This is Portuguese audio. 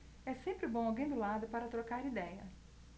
é sempre bom alguém do lado para trocar idéia